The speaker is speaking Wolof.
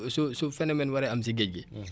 dafa am ay travaux yoo xamante ne